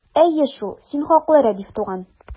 Әйе шул, син хаклы, Рәдиф туган!